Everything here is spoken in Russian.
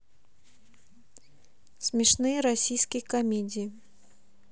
смешные российские комедии